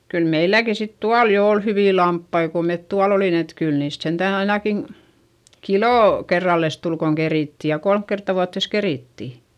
kyllä meilläkin sitten tuolla jo oli hyviä lampaita kun me tuolla olimme että kyllä niistä sentään ainakin kilo kerrallensa tuli kun kerittiin ja kolme kertaa vuoteensa kerittiin